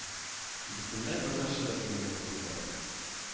Бөтенләй бер нәрсә дә белмим бу турыда